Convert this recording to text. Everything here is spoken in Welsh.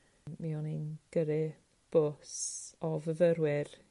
mi o'n i'n gyrru bws o fyfyrwyr